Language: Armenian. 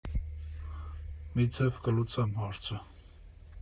Մի ձև կլուծեմ հարցը…